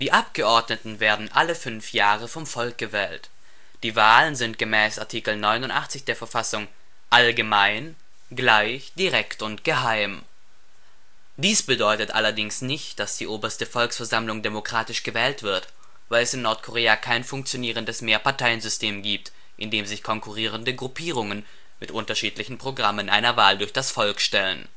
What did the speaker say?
Abgeordneten werden alle fünf Jahre vom Volk gewählt. Die Wahlen sind gemäß Art. 89 der Verfassung „ allgemein, gleich, direkt und geheim. “Dies bedeutet allerdings nicht, dass die Oberste Volksversammlung demokratisch gewählt wird, weil es in Nordkorea kein funktionierendes Mehrparteiensystem gibt, in dem sich konkurrierende Gruppierungen mit unterschiedlichen Programmen einer Wahl durch das Volk stellen